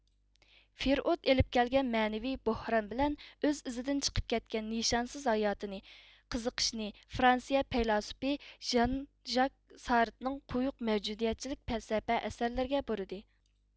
فرېئۇد ئېلىپ كەلگەن مەنىۋى بوھران بىلەن ئۆز ئىزىدىن چىقىپ كەتكەن نىشانسىز ھاياتىنى قىزىقىشىنى فرانسىيە پەيلاسوپى ژان ژاك سارتنىڭ قويۇق مەۋجۇدىيەتچىلىك پەلسەپە ئەسەرلىرىگە بۇرىدى